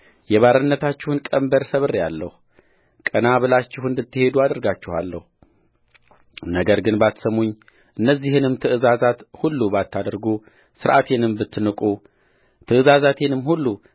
የባርነታችሁን ቀንበር ሰብሬአለሁ ቀና ብላችሁ እንድትሄዱ አድርጌአችኋለሁነገር ግን ባትሰሙኝ እነዚህንም ትእዛዛት ሁሉ ባታደርጉሥርዓቴንም ብትንቁ ትእዛዛቴንም ሁሉ